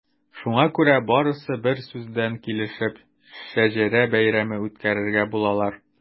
Шуңа күрә барысы берсүздән килешеп “Шәҗәрә бәйрәме” үткәрергә булалар.